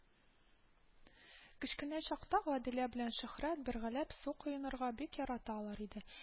Кечкенә чакта Гадилә белән Шөһрәт бергәләп су коенырга бик яраталар иде